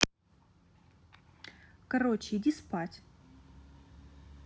короче иди спать